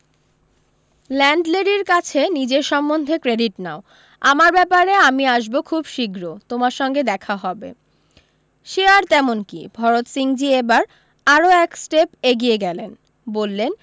ল্যান্ডলেডির কাছে নিজের সম্বন্ধে ক্রেডিট নাও আমার ব্যাপারে আমি আসবো খুব শীঘ্র তোমার সঙ্গে দেখা হবে সে আর তেমন কী ভরত সিংজী এবারে আরও এক স্টেপ এগিয়ে গেলেন বললেন